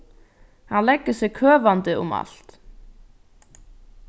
hann leggur seg køvandi um alt